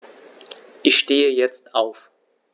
Ich stehe jetzt auf.